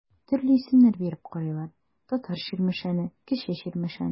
Төрле исемнәр биреп карыйлар: Татар Чирмешәне, Кече Чирмешән.